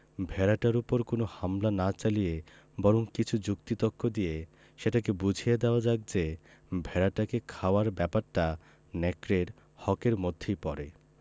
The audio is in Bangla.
ভেড়াটার উপর কোন হামলা না চালিয়ে বরং কিছু যুক্তি তক্ক দিয়ে সেটাকে বুঝিয়ে দেওয়া যাক যে ভেড়াটাকে খাওয়ার ব্যাপারটা নেকড়ের হক এর মধ্যেই পড়ে